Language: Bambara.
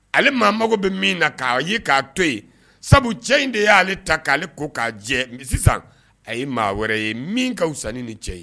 Ale maa mago bɛ min na k'a ye k'a to yen sabu cɛ in de y'ale ta k'ale ko k'a jɛ sisan a ye maa wɛrɛ ye min ka fisasan ni ni cɛ ye